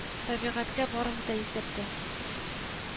Табигатькә барыгыз да исәпкә